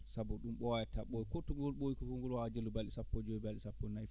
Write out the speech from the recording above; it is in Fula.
sabu ɗum ɓooyataa ɓooyi kottugol ɓooyi ko fof ngo wawa jeelu balɗe sappo balɗe sappo e joyyi balɗe sappo e nayi